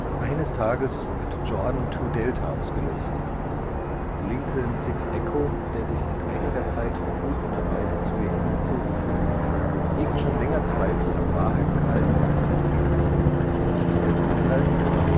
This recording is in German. Eines Tages wird Jordan Two Delta ausgelost. Lincoln Six Echo, der sich seit einiger Zeit verbotenerweise zu ihr hingezogen fühlt, hegt schon länger Zweifel am Wahrheitsgehalt des Systems, nicht zuletzt deshalb, weil